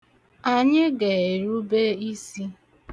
Anyị ga-erube isi.